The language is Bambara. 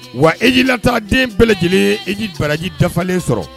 Wa e y'ilata den bɛɛ lajɛlen e' bɛlaji dafalen sɔrɔ